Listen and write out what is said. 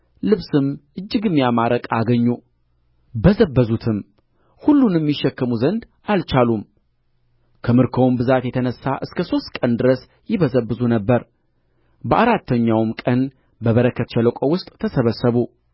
ልብስም እጅግም ያማረ ዕቃ አገኙ በዘበዙትም ሁሉንም ይሸከሙ ዘንድ አልቻሉም ከምርኮውም ብዛት የተነሣ እስከ ሦስት ቀን ድረስ ይበዘብዙ ነበር በአራተኛውም ቀን በበረከት ሸለቆ ውስጥ ተሰበሰቡ